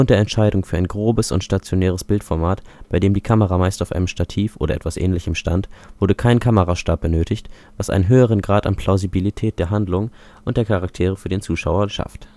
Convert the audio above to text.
Entscheidung für ein grobes und stationäres Bildformat, bei dem die Kamera meist auf einem Stativ oder etwas ähnlichen stand, wurde kein Kamerastab benötigt, was einen „ höheren Grad an Plausibilität “der Handlung und der Charaktere für den Zuschauer schafft